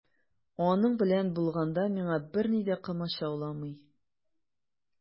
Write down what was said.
Аның белән булганда миңа берни дә комачауламый.